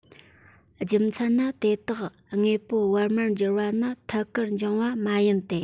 རྒྱུ མཚན ནི དེ དག དངོས པོ བར མར གྱུར པ ནི ཐད ཀར བྱུང བ མ ཡིན ཏེ